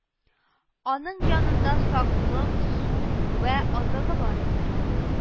Аның янында саклык су вә азыгы бар икән